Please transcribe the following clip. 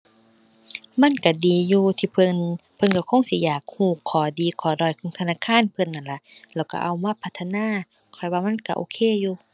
มันก็ดีอยู่ที่เพิ่น เพิ่นก็คงสิอยากก็ข้อดีข้อด้อยของธนาคารเพิ่นนั่นล่ะ แล้วก็เอามาพัฒนา ข้อยว่ามันก็โอเคอยู่